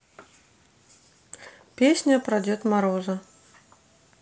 песня про дед мороза